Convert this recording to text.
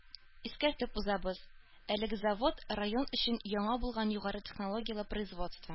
Искәртеп узабыз, әлеге завод – район өчен яңа булган югары технологияле производство